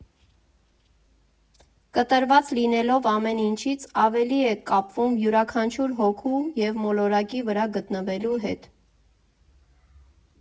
Կտրված լինելով ամեն ինչից՝ ավելի եք կապվում յուրաքանչյուր հոգու և մոլորակի վրա գտնվելու հետ։